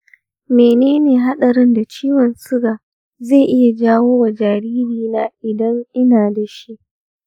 mene ne haɗarin da ciwon suga zai iya jawo wa jaririna idan ina da shi?